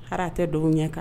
Ha a tɛ dogo ɲɛ kan